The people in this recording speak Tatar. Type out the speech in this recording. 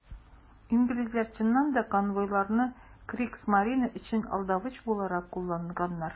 Инглизләр, чыннан да, конвойларны Кригсмарине өчен алдавыч буларак кулланганнар.